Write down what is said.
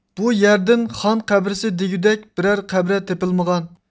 بۇ يەردىن خان قەبرىسى دېگۈدەك بىرەر قەبرە تېپىلمىغان